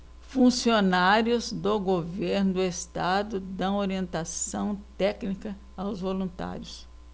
funcionários do governo do estado dão orientação técnica aos voluntários